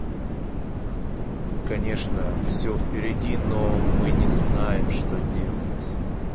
конечно все впереди но мы не знаем что делать